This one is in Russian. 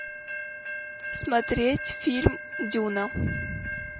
смотреть фильм дюна